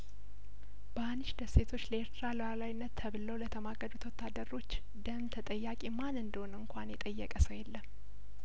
በሀኒሽ ደሴቶች ለኤርትራ ሉአላዊነት ተብለው ለተማገዱት ወታደሮች ደም ተጠያቂ ማን እንደሆነ እንኳን የጠየቀ ሰው የለም